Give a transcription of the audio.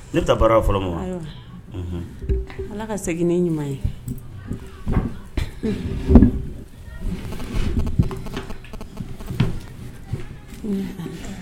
Ne ta baara fɔlɔ ma ala ka segin ne ɲuman ye